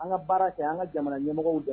An ka baara kɛ an ka jamana ɲɛmɔgɔ da